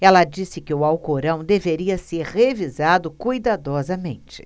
ela disse que o alcorão deveria ser revisado cuidadosamente